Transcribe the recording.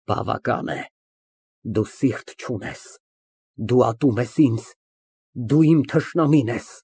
Բավական է, դու սիրտ չունես, դու ատում ես ինձ, դու իմ թշնամին ես։